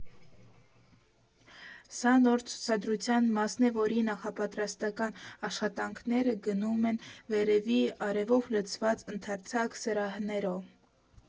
Սա նոր ցուցադրության մասն է, որի նախապատրաստական աշխատանքները գնում են վերևի՝ արևով լցված ընդարձակ սրահներում։